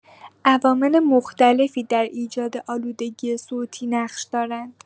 عوامل مختلفی در ایجاد آلودگی صوتی نقش دارند.